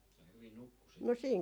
ja hyvin nukkui sitten